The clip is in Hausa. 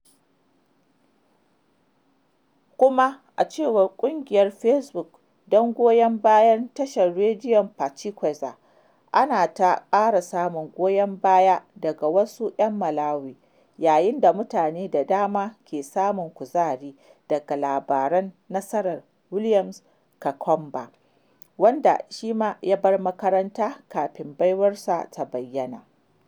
Kuma, a cewar ƙungiyar Facebook "don goyon bayan Tashar Rediyon Pachikweza," ana ta ƙara samun goyon baya daga wasu 'yan Malawi, yayin da mutane da dama ke samun kuzari daga labarin nasarar William Kamkwamba, wanda shi ma ya bar makaranta kafin baiwar sa ta bayyana.